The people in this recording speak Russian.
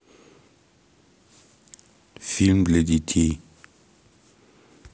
фильм для детей